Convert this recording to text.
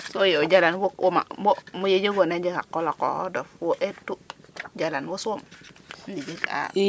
so ye o jala nan wo xup uma wo ye jegona jeg xa qol xoxo dof wo etu jalan wo som wala jeg a